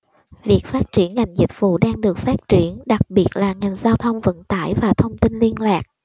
việc phát triển ngành dịch vụ đang được phát triển đặc biệt là ngành giao thông vận tải và thông tin liên lạc